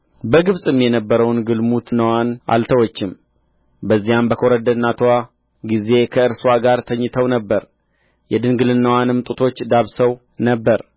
በግብጽም የነበረውን ግልሙትናዋን አልተወችም በዚያ በኰረዳነትዋ ጊዜ ከእርስዋ ጋር ተኝተው ነበር የድንግልናዋንም ጡቶች ዳብሰው ነበር